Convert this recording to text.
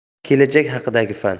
tarix kelajak haqidagi fan